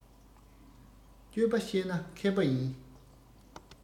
སྤྱོད པ ཤེས ན མཁས པ ཡིན